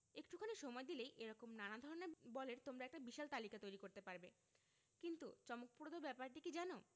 একটুখানি সময় দিলেই এ রকম নানা ধরনের বলের তোমরা একটা বিশাল তালিকা তৈরি করতে পারবে কিন্তু চমকপ্রদ ব্যাপারটি কী জানো